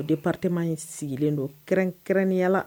O département de sigilen don kɛrɛnkɛrɛnnenya la.